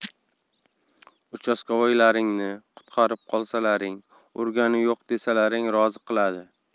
'uchastkavoy'laringni qutqarib qolsalaring urgani yo'q desalaring rozi qiladi